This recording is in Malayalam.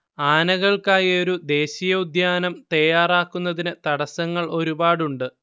ആനകൾക്കായി ഒരു ദേശീയോദ്യാനം തയ്യാറാക്കുന്നതിന് തടസ്സങ്ങൾ ഒരുപാടുണ്ട്